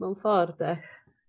mewn ffordd 'de?